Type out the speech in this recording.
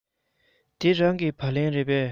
འདི རང གི སྦ ལན རེད པས